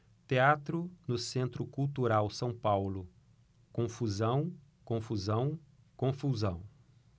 teatro no centro cultural são paulo confusão confusão confusão